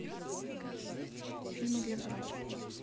фильмы для взрослых